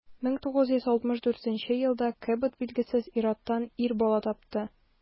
1964 елда кэбот билгесез ир-аттан ир бала тапты.